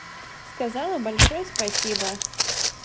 сказала большое спасибо